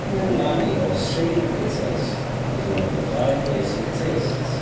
Umami, or savoury taste, is one of the five basic tastes.